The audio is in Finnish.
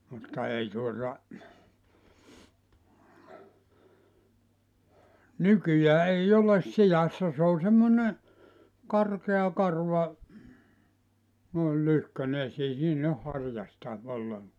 mutta ei tuota nykyään ei ole sijassa se on semmoinen karkea karva noin lyhkäinen ja ei siinä ole harjasta ollenkaan